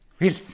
Wheels.